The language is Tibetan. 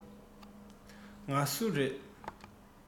ང སུ རེད